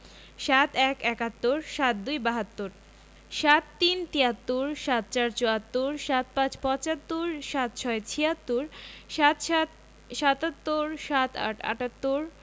৭১ – একাত্তর ৭২ – বাহাত্তর ৭৩ – তিয়াত্তর ৭৪ – চুয়াত্তর ৭৫ – পঁচাত্তর ৭৬ - ছিয়াত্তর ৭৭ – সাত্তর ৭৮ – আটাত্তর